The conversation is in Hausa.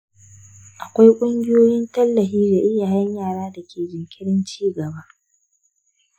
akwai ƙungiyoyin tallafi ga iyayen yaran da ke da jinkirin ci gaba.